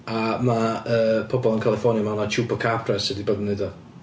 A mae yy pobl yn California yn meddwl 'na Chupacabra sydd 'di bod yn wneud o.